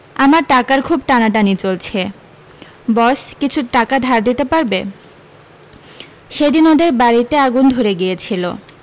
আমার টাকার খুব টানাটানি চলছে বস কিছু টাকা ধার দিতে পারবে সেদিন ওদের বাড়ীতে আগুন ধরে গিয়েছিল